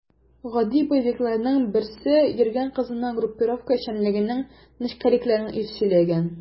Гади боевикларның берсе йөргән кызына группировка эшчәнлегенең нечкәлекләрен сөйләгән.